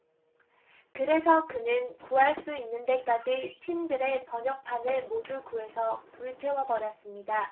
그래서 그는 구할 수 있는 데까지 틴들의 번역판을 모두 구해서 불태워 버렸습니다